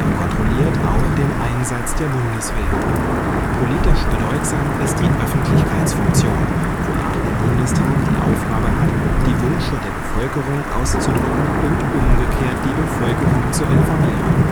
kontrolliert auch den Einsatz der Bundeswehr. Politisch bedeutsam ist die Öffentlichkeitsfunktion, wonach der Bundestag die Aufgabe hat, die Wünsche der Bevölkerung auszudrücken und umgekehrt die Bevölkerung zu informieren